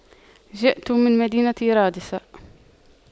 جئت من مدينة رادس